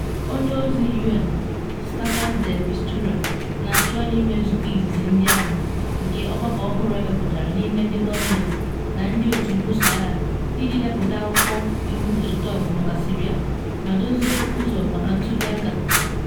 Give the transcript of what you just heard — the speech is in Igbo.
Onye ozi UN Staffan de Mistura na atụ anya ịme nzụkọ izizi ndị ahụ nke ọgbakọ ọhụrụ emepụtara n’ime ndị gọọmentị na ndị otu mbuso agha iji depụta akwụkwọ iwu osote ọgụ maka Syria ma dozie ụzọ maka ntuli aka.